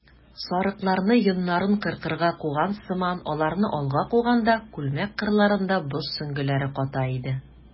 Сарыкларны йоннарын кыркырга куган сыман аларны алга куганда, күлмәк кырларында боз сөңгеләре ката иде.